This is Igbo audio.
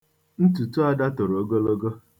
Ntutu Ada toro ogologo.